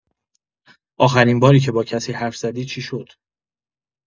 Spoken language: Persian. آخرین باری که با کسی حرف زدی چی شد؟